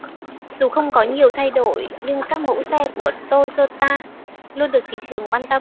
dù không có nhiều thay đổi nhưng các mẫu xe của toyota luôn được thị trường quan tâm